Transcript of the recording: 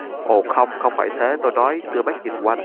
ồ không không phải thế tôi nói đưa mắt nhìn quanh